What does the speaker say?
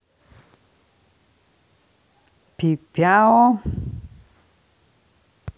пипяо